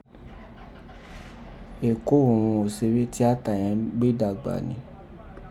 Eko òghun osere tiata yẹ̀n gbe dàgbà rin.